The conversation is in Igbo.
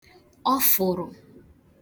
ọfụ̀rụ̀